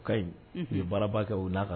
O ka ɲi u ye baaraba kɛ u'a kan